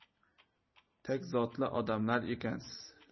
tag zotli odamlar ekansiz